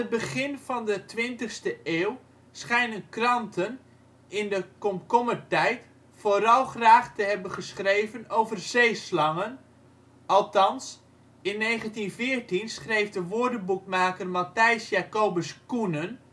begin van de twintigste eeuw schijnen kranten in de komkommertijd vooral graag te hebben geschreven over zeeslangen. Althans, in 1914 schreef de woordenboekmaker Mathijs Jacobus Koenen